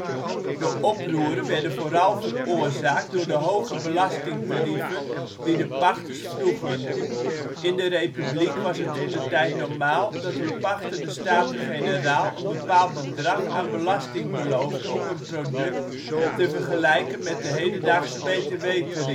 oproeren werden vooral veroorzaakt door de hoge belastingtarieven die de pachters vroegen. In de Republiek was het toentertijd normaal dat een pachter de Staten-Generaal een bepaald bedrag aan belasting beloofde op een product, te vergelijken met de hedendaagse btw-tarieven. Dit